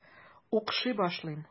Укшый башлыйм.